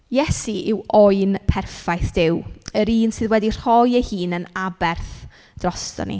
Iesu yw oen perffaith Duw yr un sydd wedi rhoi ei hun yn aberth droston ni.